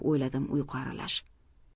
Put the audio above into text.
o'yladim uyqu aralash